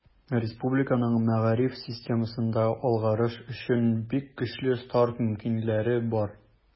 Республиканың мәгариф системасында алгарыш өчен бик көчле старт мөмкинлекләре бар.